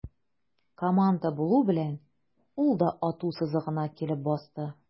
Команда булу белән, ул да ату сызыгына килеп басты.